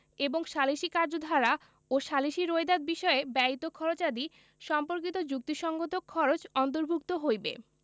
এবং সালিসী কার্যধারা ও সালিসী রোয়েদাদ বিষয়ে ব্যয়িত খরচাদি সম্পর্কিত যুক্তিসংগত খরচ অন্তর্ভুক্ত হইবে